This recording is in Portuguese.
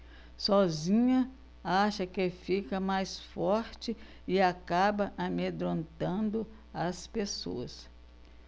sozinha acha que fica mais forte e acaba amedrontando as pessoas